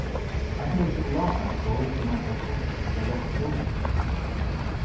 eitt nú sjokuláta er góð um ein fær krampa ella lágt blóðsukur